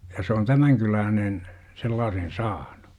se ja se on tämän kyläinen sellaisen saanut